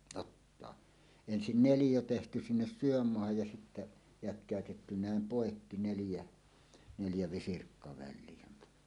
ottaa ensin neliö tehty sinne sydänmaahan ja sitten jatkettu näin poikki neljä neljä visirkkaväliä